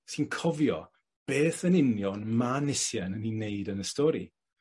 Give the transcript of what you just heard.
sy'n cofio beth yn union ma' Nisien yn 'i wneud yn y stori?